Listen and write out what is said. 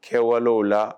Cɛwale o la